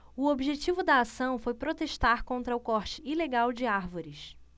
o objetivo da ação foi protestar contra o corte ilegal de árvores